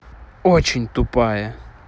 очень тупая